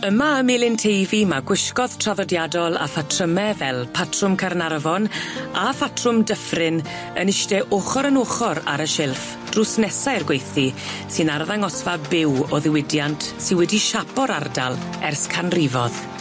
Yma ym Melyn Teifi ma' gwisgo'dd traddodiadol a phatryme fel patrwm Carnarfon a phatrwm Dyffryn yn iste ochor yn ochor ar y shilff drws nesa i'r gweithdy sy'n arddangosfa byw o ddiwydiant sy wedi siapo'r ardal ers canrifodd.